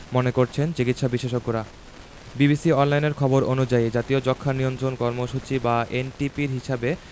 মনে করছেন চিকিৎসাবিশেষজ্ঞরা বিবিসি অনলাইনের খবর অনুযায়ী জাতীয় যক্ষ্মা নিয়ন্ত্রণ কর্মসূচি বা এনটিপির হিসেবে